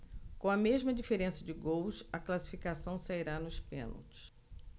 com a mesma diferença de gols a classificação sairá nos pênaltis